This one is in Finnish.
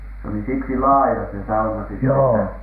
se oli siksi laaja se sauna sitten että